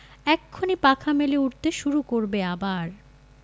এক্ষুনি পাখা মেলে উড়তে শুরু করবে আবার